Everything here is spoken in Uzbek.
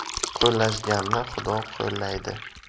qo'llashganni xudo qo'llaydi